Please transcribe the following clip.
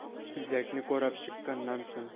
Үзәкне карап чыкканнан соң.